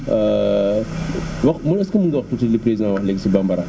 wax est ce que mën nga wax tuuti li président wax léegi si bambara